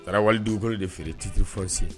A taara wali dugukolo de feere titre foncière